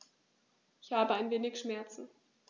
Ich habe ein wenig Schmerzen.